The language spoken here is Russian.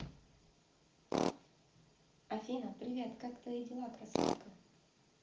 афина привет как твои дела красотка